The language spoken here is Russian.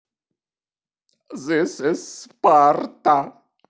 зыс из спарта